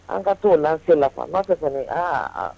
An ka to n'an sen la an'a fɛ fana aa